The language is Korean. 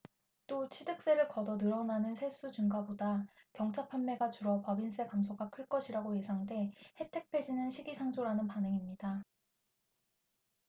또 취득세를 거둬 늘어나는 세수 증가보다 경차 판매가 줄어 법인세 감소가 클 것이라고 예상돼 혜택 폐지는 시기상조라는 반응입니다